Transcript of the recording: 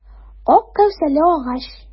Ак кәүсәле агач.